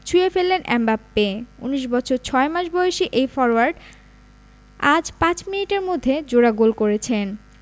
ছুঁয়ে ফেললেন এমবাপ্পে ১৯ বছর ৬ মাস বয়সী এই ফরোয়ার্ড আজ ৫ মিনিটের মধ্যে জোড়া গোল করেছেন